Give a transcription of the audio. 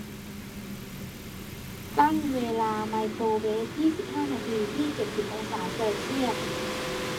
ตั้งเวลาไมโครเวฟยี่สิบห้านาทีที่เจ็ดสิบองศาเซลเซียส